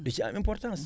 da ciy am importance